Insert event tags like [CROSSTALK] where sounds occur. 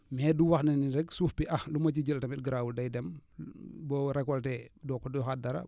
mais du wax ne ni rek suuf bi ah lu ma ci jël tamit garaawul day dem [HESITATION] boo récolté doo ko doo ko defaat dara